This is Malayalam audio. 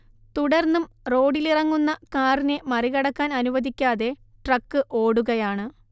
തുടർന്നും റോഡിലിറങ്ങുന്ന കാറിനെ മറികടക്കാൻ അനുവദിക്കാതെ ട്രക്ക് ഓടുകയാണ്